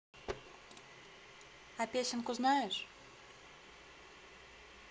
а песенку знаешь